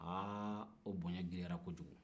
aa o bonya girinya na kojugu